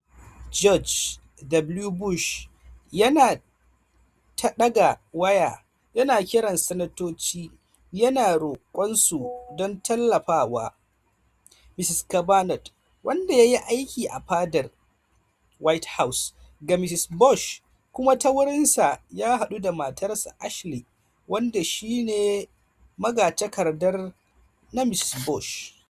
George W. Bush yana ta daga waya yana kiran Sanatoci, yana rokon su don tallafawa Mr Kavanaugh, wanda yayi aiki a fadar White House ga Mr Bush kuma ta wurinsa ya hadu da matarsa Ashley, wanda shi ne magatakarda na Mr Bush.